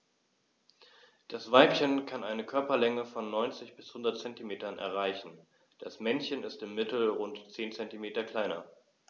Das Weibchen kann eine Körperlänge von 90-100 cm erreichen; das Männchen ist im Mittel rund 10 cm kleiner.